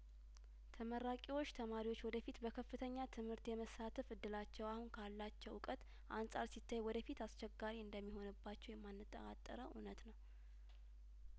ተመራቂዎች ተማሪዎች ወደፊት በከፍተኛ ትምህርት የመሳተፍ እድላቸው አሁን ካላቸው እውቀት አንጻር ሲታይ ወደፊት አስቸጋሪ እንደሚሆንባቸው የማንጠራጠረው እውነት ነው